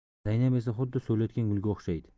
zaynab esa xuddi so'liyotgan gulga o'xshaydi